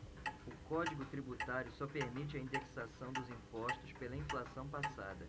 o código tributário só permite a indexação dos impostos pela inflação passada